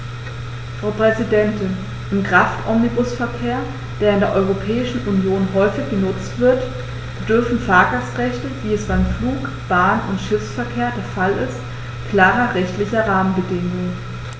Frau Präsidentin, im Kraftomnibusverkehr, der in der Europäischen Union häufig genutzt wird, bedürfen Fahrgastrechte, wie es beim Flug-, Bahn- und Schiffsverkehr der Fall ist, klarer rechtlicher Rahmenbedingungen.